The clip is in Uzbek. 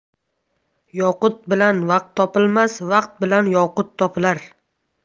yoqut bilan vaqt topilmas vaqt bilan yoqut topilar